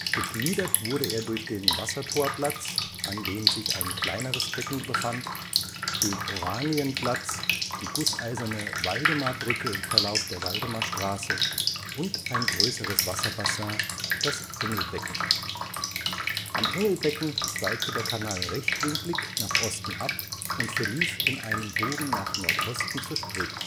Gegliedert wurde er durch den Wassertorplatz, an dem sich ein kleineres Becken befand, den Oranienplatz, die gusseiserne Waldemarbrücke im Verlauf der Waldemarstraße und ein größeres Wasserbassin, das Engelbecken. Am Engelbecken zweigte der Kanal rechtwinklig nach Osten ab und verlief in einem Bogen nach Nordosten zur Spree